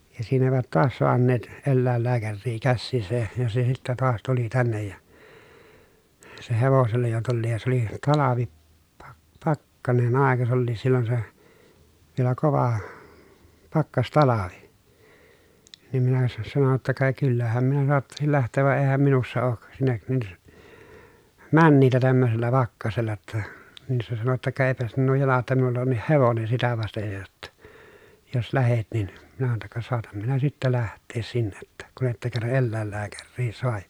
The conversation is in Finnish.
ja siinä eivät taas saaneet eläinlääkäriä käsiinsä ja se sitten taas tuli tänne ja se hevosella jo tulikin ja se oli talvi - pakkanen aika se olikin silloin se vielä kova pakkastalvi niin minä - sanoin jotta ka kyllähän minä saattaisin lähteä vaan eihän minussa ole sinne niin menijää tämmöisellä pakkasella jotta niin se sanoi jotta ka eipä sinun jalan jotta minulla onkin hevonen sitä vasten jo jotta jos lähdet niin minä sanoin jotta ka saatan minä sitten lähteä sinne että kun ette kerran eläinlääkäriä saa ja